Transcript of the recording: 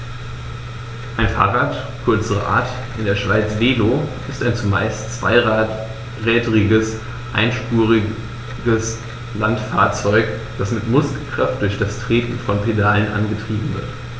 Ein Fahrrad, kurz Rad, in der Schweiz Velo, ist ein zumeist zweirädriges einspuriges Landfahrzeug, das mit Muskelkraft durch das Treten von Pedalen angetrieben wird.